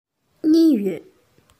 གཉིས ཡོད